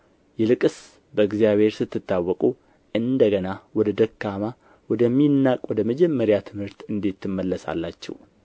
ይልቅስ በእግዚአብሔር ስትታወቁ እንደ ገና ወደ ደካማ ወደሚናቅም ወደ መጀመሪያ ትምህርት እንዴት ትመለሳላችሁ